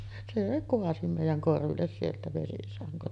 se kaatoi meidän korville sieltä vesisangon